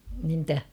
niin mitä